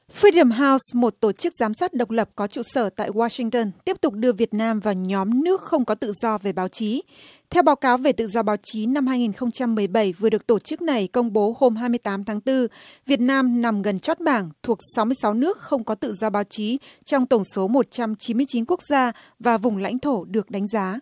phít đừm hao một tổ chức giám sát độc lập có trụ sở tại oa sinh tân tiếp tục đưa việt nam và nhóm nước không có tự do về báo chí theo báo cáo về tự do báo chí năm hai nghìn không trăm mười bẩy vừa được tổ chức này công bố hôm hai mươi tám tháng tư việt nam nằm gần chót bảng thuộc sáu mươi sáu nước không có tự do báo chí trong tổng số một trăm chín mươi chín quốc gia và vùng lãnh thổ được đánh giá